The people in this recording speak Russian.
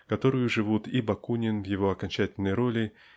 которою живут и Бакунин в его окончательной роли